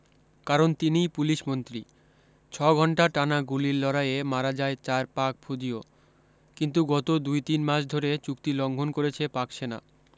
কারণ তিনিই পুলিশ মন্ত্রী ছ ঘণ্টা টানা গুলির লড়াইয়ে মারা যায় চার পাক ফুজিও কিন্তু গত দুই তিন মাস ধরে চুক্তি লঙ্ঘন করেছে পাক সেনা